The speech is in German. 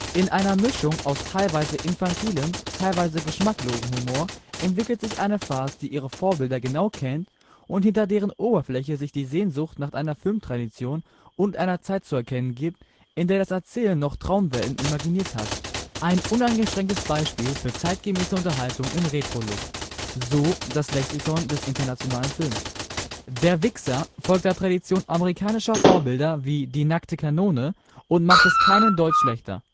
In einer Mischung aus teilweise infantilem, teilweise geschmacklosem Humor entwickelt sich eine Farce, die ihre Vorbilder genau kennt und hinter deren Oberfläche sich die Sehnsucht nach einer (Film -) Tradition und einer Zeit zu erkennen gibt, in der das Erzählen noch Traumwelten imaginiert hat. Ein unangestrengtes Beispiel für zeitgemäße Unterhaltung im Retro-Look. “– Lexikon des internationalen Films „‚ Der Wixxer ‘folgt der Tradition amerikanischer Vorbilder wie ‚ Die nackte Kanone ‘und macht es keinen Deut schlechter